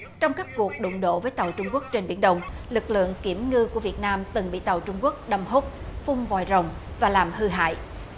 trong các cuộc đụng độ với tàu trung quốc trên biển đông lực lượng kiểm ngư của việt nam từng bị tàu trung quốc đâm húc phun vòi rồng và làm hư hại